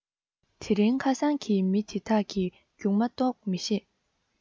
དེ རིང ཁ སང གི མི དེ དག གིས རྒྱུགས མ གཏོགས མི ཤེས